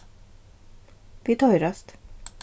vit hoyrast